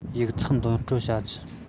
ཡིག ཚགས འདོན སྤྲོད བྱ རྒྱུ